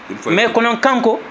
mais kono kanko